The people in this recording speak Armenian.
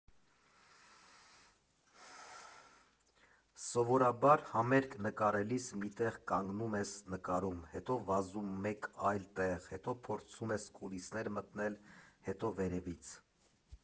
Սովորաբար համերգ նկարելիս մի տեղ կանգնում ես նկարում, հետո վազում մեկ այլ տեղ, հետո փորձում ես կուլիսներ մտնել, հետո վերևից…